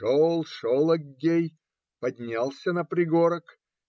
Шел, шел Аггей, поднялся на пригорок